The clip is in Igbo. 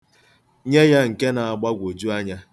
Nye ya nke na-agbagwoju anya.